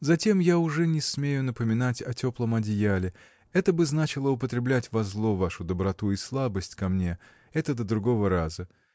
Затем я уже не смею напоминать о теплом одеяле — это бы значило употреблять во зло вашу доброту и слабость ко мне: это до другого раза!